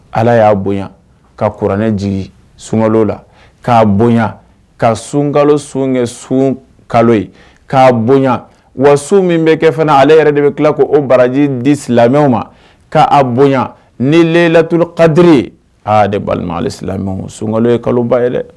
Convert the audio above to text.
Ala y'a bonya ka kuranɛ jigi sunka la k'a bonya ka sunka sun kɛ sun kalo ye k'a bonya wa sun min bɛ kɛ fana ale yɛrɛ de bɛ tila ko o baraji di silamɛw ma kaa bonya ni lelat kadi aa de' ale silamɛ sunka ye kaloba ye dɛ